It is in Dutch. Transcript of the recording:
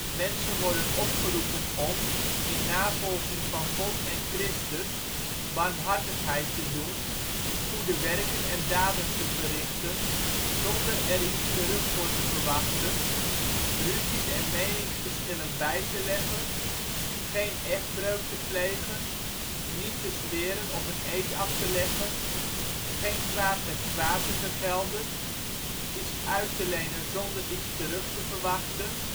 Mensen worden opgeroepen om, in navolging van God en Christus, barmhartigheid te doen, goede werken en daden te verrichten zonder er iets terug voor te verwachten, ruzies en meningsverschillen bij te leggen, geen echtbreuk te plegen, niet te zweren of een eed af te leggen, geen kwaad met kwaad te vergelden, iets uit te lenen zonder iets terug te verwachten